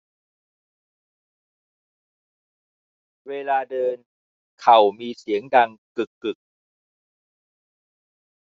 เวลาเดินเข่ามีเสียงดังกึกกึก